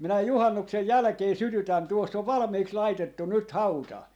minä juhannuksen jälkeen sytytän tuossa on valmiiksi laitettu nyt hauta